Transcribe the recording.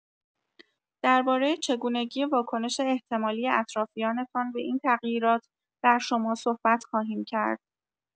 درباره چگونگی واکنش احتمالی اطرافیانتان به این تغییرات در شما صحبت خواهیم کرد.